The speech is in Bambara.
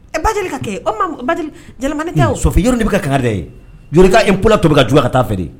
Ɛ ba ka kɛ so yɔrɔ de bɛ ka kanɛrɛ ye y in pla tobi ka jɔ a ka taa feere